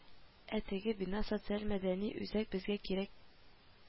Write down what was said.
Ә теге бина, социальмәдәни үзәк безгә кирәк